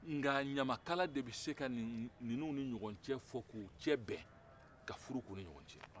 ŋɔ